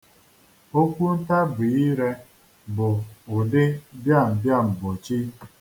Okwuntabiire bụ ụdị bịambịamgbochi.